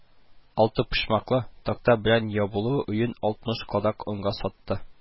Алты почмаклы, такта белән ябулы өен алтмыш кадак онга сатты